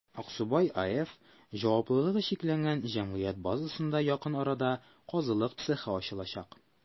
«аксубай» аф» җчҗ базасында якын арада казылык цехы ачылачак.